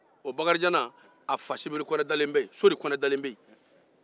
a fa sibiri kɔnɛ ni sori kɔnɛ dalen be yen